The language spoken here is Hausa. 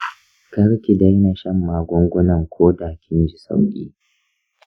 kar ki daina shan magungunan koda kin ji sauƙi.